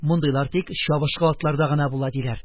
Мондыйлар тик чабышкы атларда гына була, диләр.